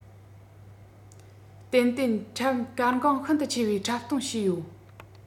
ཏན ཏན འཁྲབ གལ འགངས ཤིན ཏུ ཆེ བའི འཁྲབ སྟོན བྱས ཡོད